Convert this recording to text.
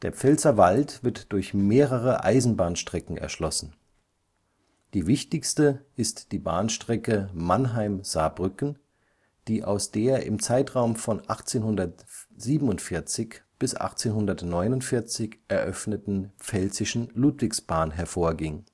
Pfälzerwald wird durch mehrere Eisenbahnstrecken erschlossen. Die wichtigste ist Bahnstrecke Mannheim – Saarbrücken, die aus der im Zeitraum von 1847 bis 1849 eröffneten Pfälzischen Ludwigsbahn hervor ging